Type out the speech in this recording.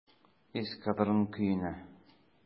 "эскадрон" көенә.